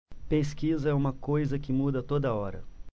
pesquisa é uma coisa que muda a toda hora